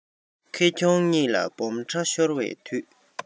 ཁེ གྱོང གཉིས ལ སྦོམ ཕྲ ཤོར བའི དུས